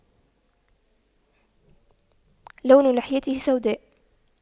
لون لحيته سوداء